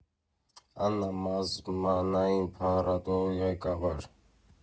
Աննա Մազմանյան, փառատոնի ղեկավար։